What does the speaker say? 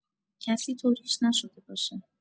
کسی طوریش نشده باشه!